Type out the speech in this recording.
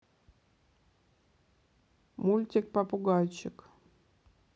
мультик попугайчик